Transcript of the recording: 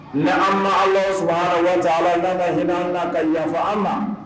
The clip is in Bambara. Mais an ma Alahu sabana wataala Ala ka hinɛ an na ka yafa an ma